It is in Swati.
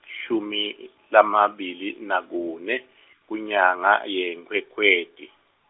shumi, lamabili, nakune, kwinyanga, yeNkhwekhweti.